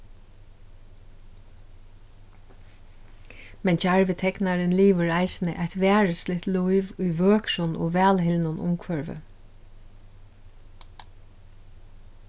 men djarvi teknarin livir eisini eitt varisligt lív í vøkrum og vælhildnum umhvørvi